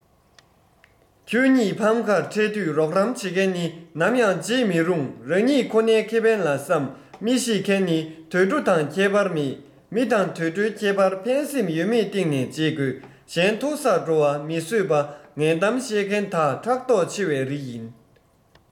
ཁྱོད ཉིད ཕམ ཁར འཕྲད དུས རོགས རམ བྱེད མཁན ནི ནམ ཡང རྗེད མི རུང རང ཉིད ཁོ ནའི ཁེ ཕན ལ བསམ མི ཤེས མཁན ནི དུད འགྲོ དང ཁྱད པར མེད མི དང དུད འགྲོའི ཁྱད པར ཕན སེམས ཡོད མེད སྟེང ནས འབྱེད དགོས གཞན མཐོ སར འགྲོ བ མི བཟོད པ ངན གཏམ བཤད མཁན དག ཕྲག དོག ཆེ བའི རིགས ཡིན